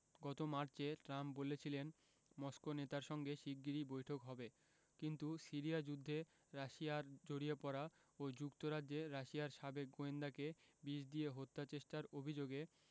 গত মার্চে ট্রাম্প বলেছিলেন মস্কো নেতার সঙ্গে শিগগিরই বৈঠক হবে কিন্তু সিরিয়া যুদ্ধে রাশিয়ার জড়িয়ে পড়া ও যুক্তরাজ্যে রাশিয়ার সাবেক গোয়েন্দাকে বিষ দিয়ে হত্যাচেষ্টার অভিযোগে